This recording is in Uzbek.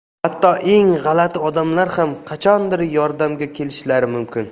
hatto eng g'alati odamlar ham qachondir yordamga kelishlari mumkin